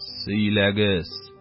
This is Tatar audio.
Сөйләгез!